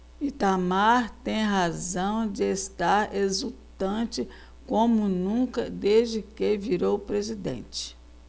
itamar tem razão de estar exultante como nunca desde que virou presidente